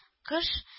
Кыш